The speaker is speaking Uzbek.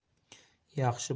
yaxshi bola to'rga